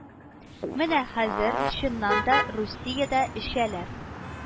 Менә хәзер, чыннан да, Русиядә эчәләр